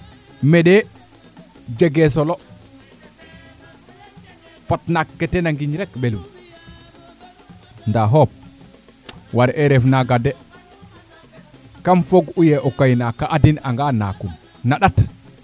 meɗe jege solo fat naak keten a ngiñrek ɓelun nda xoop war e ref naaga de kam foog uye o kay naak adin anga naakum na ɗat